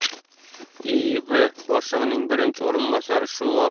iib boshlig'ining birinchi o'rinbosari shu